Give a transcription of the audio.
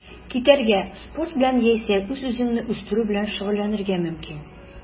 Китәргә, спорт белән яисә үз-үзеңне үстерү белән шөгыльләнергә мөмкин.